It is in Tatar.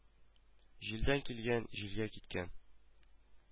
Җилдән килгән, җилгә киткән